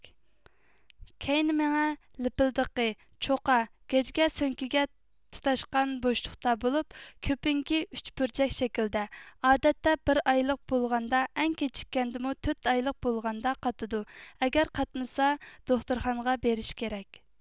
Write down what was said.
كەينى مېڭە لىپىلدىقى چوققا گەجگە سۆڭىكىگە تۇتاشقان بوشلۇقتا بولۇپ كۆپۈنكى ئۈچ بۇرجەك شەكلىدە ئادەتتە بىر ئايلىق بولغاندا ئەڭ كېچىككەندىمۇ تۆت ئايلىق بولغاندا قاتىدۇ ئەگەر قاتمىسا دوختۇرخانىغا بېرىش كېرەك